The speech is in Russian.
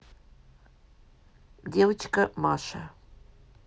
девочка маша